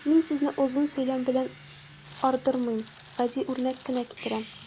Мин сезне озын сөйләм белән ардырмыйм, гади үрнәк кенә китерәм.